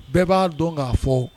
Bɛɛ b'a dɔn k'a fɔ